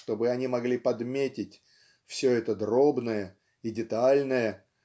чтобы они могли подметить все это дробное и детальное